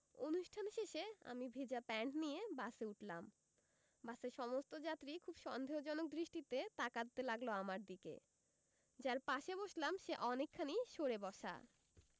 অনুষ্ঠান শেষে আমি ভিজা প্যান্ট নিয়ে বাসে উঠলাম বাসের সমস্ত যাত্রী খুব সন্দেহজনক দৃষ্টিতে তাকাতে লাগলো আমার দিকে যার পাশে বসলাম সে অনেকখানি সরে বসা